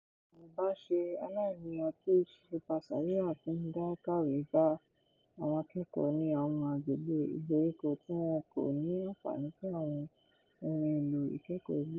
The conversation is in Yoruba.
Ọ̀nà ìbáṣe aláìnira tí Shilpa Sayura fi ń dá kàwé bá àwọn akẹ́kọ̀ọ́ ní àwọn agbègbè ìgbèríko tí wọ́n kò ní àǹfààní sí àwọn ohun èlò ìkẹ́kọ̀ọ́ ìgboro.